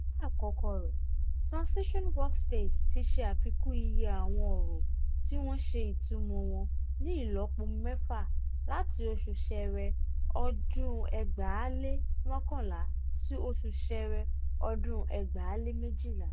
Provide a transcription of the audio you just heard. Ní ọdún àkọ́kọ́ rẹ̀, Translation Workspace ti ṣe àfikún iye àwọn ọ̀rọ̀ tí wọ́n ṣe ìtumọ̀ wọn ní ìlọ́po mẹ́fà (láti oṣù Ṣẹ́ẹ́rẹ́ ọdún 2011 sí oṣù Ṣẹ́ẹ́rẹ́ ọdún 2012).